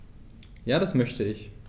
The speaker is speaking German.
Ja, das möchte ich.